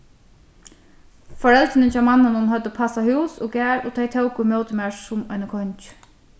foreldrini hjá manninum høvdu passað hús og garð og tey tóku ímóti mær sum einum kongi